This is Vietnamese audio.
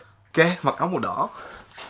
kê mặc áo màu đỏ